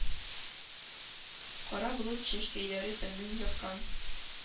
Кара болыт чәчкәйләре тәнен япкан;